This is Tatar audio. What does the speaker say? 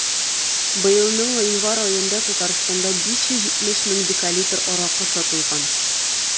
Быелның гыйнвар аенда Татарстанда 570 мең декалитр аракы сатылган.